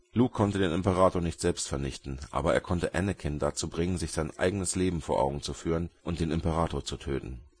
Luke konnte den Imperator nicht selbst vernichten, aber er konnte Anakin dazu bringen, sich sein eigenes Leben vor Augen zu führen und den Imperator zu töten